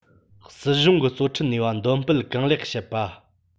སྲིད གཞུང གི གཙོ ཁྲིད ནུས པ འདོན སྤེལ གང ལེགས བྱེད པ